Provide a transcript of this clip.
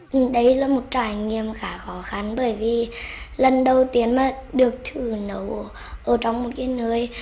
đây là một trải nghiệm khá khó khăn bởi vì lần đầu tiên mà được thử nấu ở trong một cái nơi